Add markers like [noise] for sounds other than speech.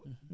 [hesitation] [hesitation]